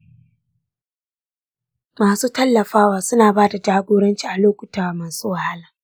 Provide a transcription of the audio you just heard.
masu tallafawa suna ba da jagoranci a lokuta masu wahala.